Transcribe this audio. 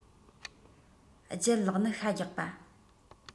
ལྗད ལགས ནི ཤ རྒྱགས པ